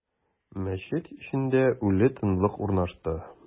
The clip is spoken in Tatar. Мәчет эчендә үле тынлык урнашты.